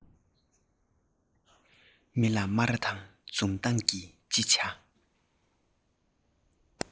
མི ལ སྨ ར དང འཛུམ མདངས ཀྱིས ཅི བྱ